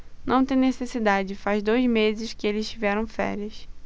não tem necessidade faz dois meses que eles tiveram férias